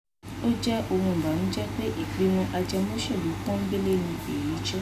Ó jẹ́ ohun ìbànújẹ́ pé ìpinnu ajẹmọ́ṣèlú pọ́nńbélé ni èyí jẹ́.